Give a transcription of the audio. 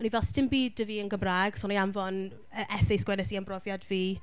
O'n i fel, 'sdim byd 'da fi yn Gymraeg, so wna i anfon yy essay sgwennes i am brofiad fi.